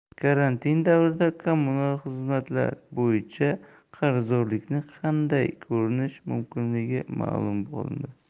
karantin davrida kommunal xizmatlar bo'yicha qarzdorlikni qanday ko'rish mumkinligi ma'lum qilindi